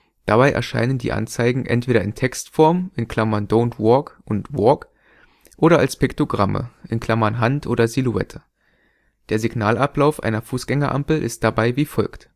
Dabei erscheinen die Anzeigen entweder in Textform („ Don't Walk “/„ Walk “) oder als Piktogramme (Hand oder Silhouette). Der Signalablauf einer Fußgängerampel ist dabei wie folgt